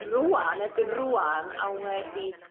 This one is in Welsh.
Rŵan erbyn rŵan a wedi